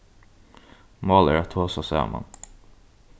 mál er at tosa saman